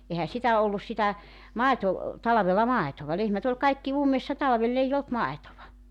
eihän sitä ollut sitä - talvella maitoa lehmät oli kaikki ummessa talvella ei ollut maitoa